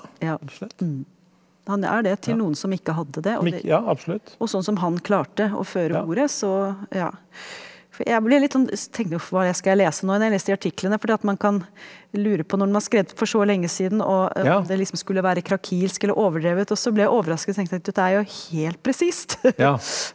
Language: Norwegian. ja han er det til noen som ikke hadde det og og sånn som han klarte å føre ordet så ja for jeg ble litt sånn tenkte jo hva er det skal jeg lese nå men jeg leste de artiklene fordi at man kan lure på når det er skrevet for så lenge siden og om det liksom skulle være krakilsk eller overdrevet også ble jeg overrasket tenkte jeg dette er jo helt presist.